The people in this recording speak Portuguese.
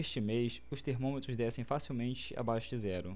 este mês os termômetros descem facilmente abaixo de zero